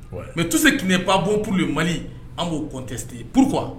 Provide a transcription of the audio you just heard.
Mɛ to se tun ye ba bɔ pur ye mali an b'o kɔn tɛte pkura